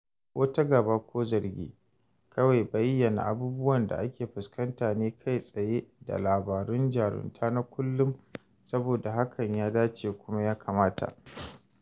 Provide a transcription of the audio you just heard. Babu wata gaba ko zargi, kawai bayanan abubuwan da ake fuskanta ne kai tsaye da labarun jarunta na kullum saboda hakan ya dace kuma ya kamata.